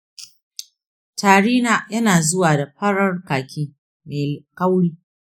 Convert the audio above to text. tari na yana zuwa da farar kaki mai kauri.